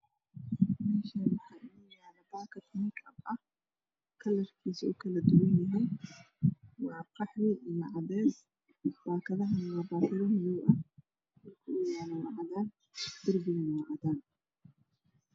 Meeshaan waxaa inoo yaala baakad make up ah oo kalarkiisu kala duwan yahay waa qaxwi iyo cadeys. Baakadahana waa baakado madow ah meesha waa cadaan darbiguna Waa cadaan.